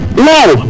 me